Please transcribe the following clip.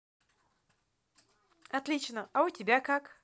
отлично а у тебя как